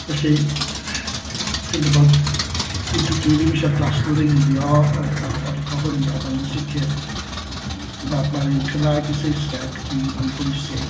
Felly chi'n gwbod dwi dwi dwi ddim eisiau glastwreiddio yr yr gofyniad, ond yn sicr ma' ma'r un Cymraeg i Saesneg yn bwysig